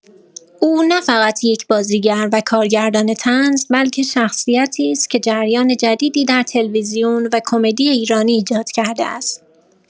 او نه‌فقط یک بازیگر و کارگردان طنز، بلکه شخصیتی است که جریان جدیدی در تلویزیون و کمدی ایرانی ایجاد کرده است.